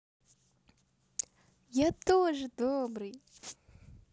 я тоже добрый